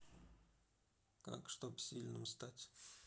как чтоб сильным стать